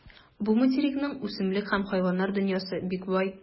Бу материкның үсемлек һәм хайваннар дөньясы бик бай.